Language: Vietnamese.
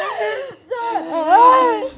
dời ơi